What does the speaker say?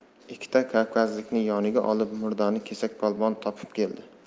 ikkita kavkazlikni yoniga olib murdani kesakpolvon topib keldi